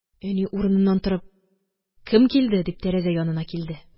Әни, урыныннан торып: – Кем килде? – дип, тәрәзә янына килде.